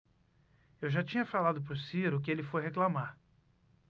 eu já tinha falado pro ciro que ele foi reclamar